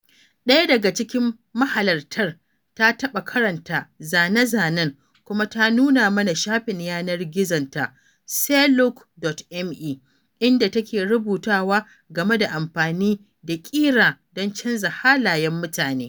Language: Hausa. Ɗaya daga cikin mahalarta ta taɓa karanta zane-zanen, kuma ta nuna mana shafin yanar gizonta, Selouk.me, inda take rubutawa game da amfani da ƙira don canza halayen mutane.